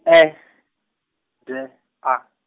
E D A.